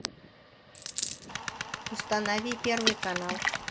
установи первый канал